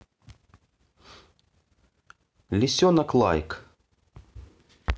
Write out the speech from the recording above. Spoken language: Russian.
лисенок лайк